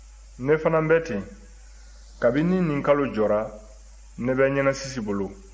ne fana bɛ ten kabini nin kalo jɔra ne bɛ ɲɛnasisi bolo